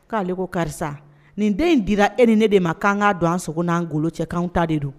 K'ale ale ko karisa nin den in dira e ni ne de ma k'an k kaa don an sogo n'an golo cɛkan ta de don